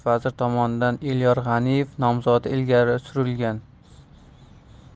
vazir tomonidan elyor g'aniyev nomzodi ilgari surilgan